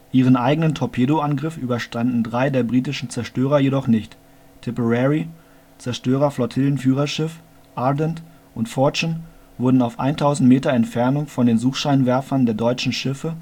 Ihren eigenen Torpedoangriff überstanden drei der britischen Zerstörer jedoch nicht - Tipperary (Zerstörer-Flottillenführerschiff), Ardent und Fortune wurden auf 1000 Meter Entfernung von den Suchscheinwerfern der deutschen Schiffe